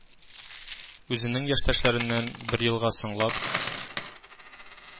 Үзенең яшьтәшләреннән бер елга соңлап